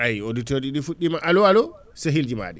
ayi auditeur ɗi fuɗɗima allo sehelji maɗi